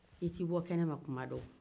i tɛ bɔ kɛnɛma tuma dɔw